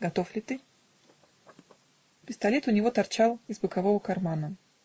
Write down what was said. готов ли ты?" Пистолет у него торчал из бокового кармана.